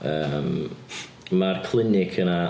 Yym mae'r clinic yna...